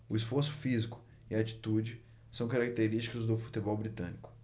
o esforço físico e a atitude são característicos do futebol britânico